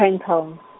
Pinetown.